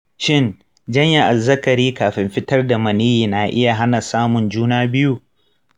shin janye azzakari kafin fitar da maniyyi i na iya hana samun juna biyu?